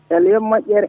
yo Allah yoɓ moƴƴere